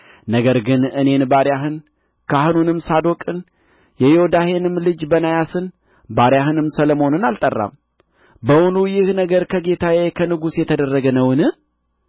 ነገር ግን እኔን ባሪያህን ካህኑንም ሳዶቅን የዮዳሄንም ልጅ በናያስን ባሪያህንም ሰሎሞንን አልጠራም በውኑ ይህ ነገር ከጌታዬ ከንጉሡ የተደረገ ነውን